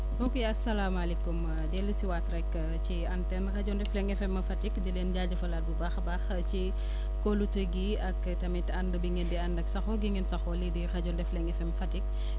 mbokk yi asalaamaaleykum dellusiwaat rek ci antenne rajo Ndefleng FM Fatick di leen jaajëfalaat bu baax abaax ci kóolute gi ak tamit ànd bi ngeen ànd ak saxoo bi ngeen saxoo lii di rajo Ndefleng FM Fatick